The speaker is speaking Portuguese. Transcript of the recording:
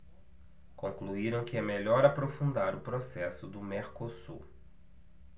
concluíram que é melhor aprofundar o processo do mercosul